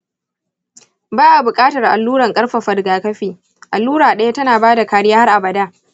ba a buƙatar alluran ƙarfafa rigakafi; allura ɗaya tana ba da kariya har abada.